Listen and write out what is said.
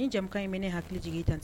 Ni jamukan in ɲi minɛ ne hakili jigin tɛ